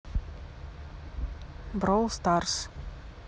brawl stars